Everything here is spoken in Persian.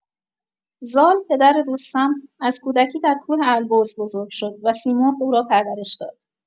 زال، پدر رستم، از کودکی در کوه البرز بزرگ شد و سیمرغ او را پرورش داد.